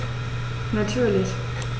Natürlich.